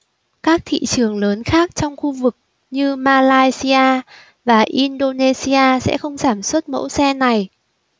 các thị trường lớn khác trong khu vực như malaysia và indonesia sẽ không sản xuất mẫu xe này